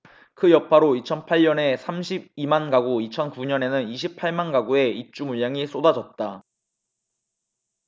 그 여파로 이천 팔 년에 삼십 이 만가구 이천 구 년에는 이십 팔 만가구의 입주물량이 쏟아졌다